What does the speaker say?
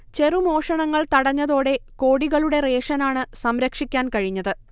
ചെറുമോഷണങ്ങൾ തടഞ്ഞതോടെ കോടികളുടെ റേഷനാണ് സംരക്ഷിക്കാൻ കഴിഞ്ഞത്